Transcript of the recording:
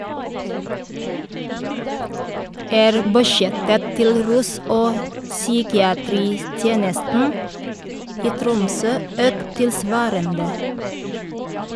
Er budsjettet til Rus og psykiatritjenesten i Tromsø økt tilsvarende?